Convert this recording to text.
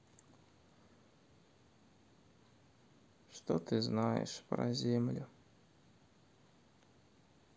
что ты знаешь про землю